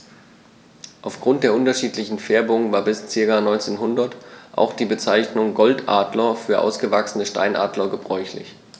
Auf Grund der unterschiedlichen Färbung war bis ca. 1900 auch die Bezeichnung Goldadler für ausgewachsene Steinadler gebräuchlich.